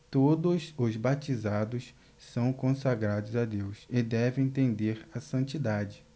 todos os batizados são consagrados a deus e devem tender à santidade